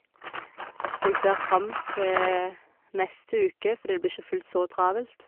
Så jeg ser fram til neste uke, fordi det blir ikke fullt så travelt.